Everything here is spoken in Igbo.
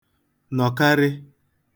nọ̀karị